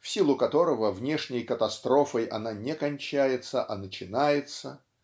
в силу которого внешней катастрофой она не кончается а начинается